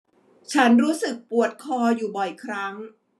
ฉันรู้สึกปวดคออยู่บ่อยครั้ง